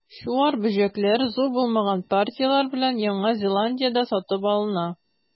Чуар бөҗәкләр, зур булмаган партияләр белән, Яңа Зеландиядә сатып алына.